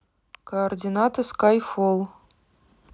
координаты скайфолл